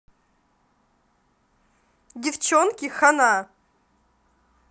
девчонки хана